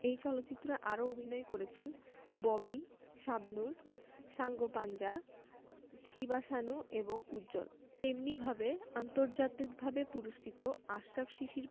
এ চলচ্চিত্রে আরও অভিনয় করেছেন ববি শাহনূর সাঙ্কোপাঞ্জা শিবা সানু এবং উজ্জ্বল তেমনিভাবে আন্তর্জাতিকভাবে পুরস্কৃত আশরাফ শিশির